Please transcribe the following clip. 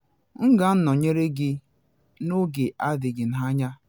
M ga-anọnyere gị n’oge adịghị anya.